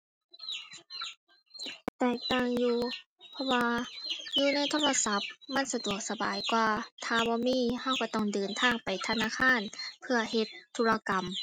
แตกต่างอยู่ เพราะว่า คือในโทรศัพท์มันสะดวกสบายกว่า ถ้าบ่มีเราเราต้องเดินทางไปธนาคาร เพื่อเฮ็ดธุรกรรม